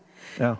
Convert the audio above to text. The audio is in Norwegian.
ja.